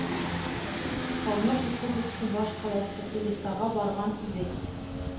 Калмык республикасы башкаласы Элистага барган идек.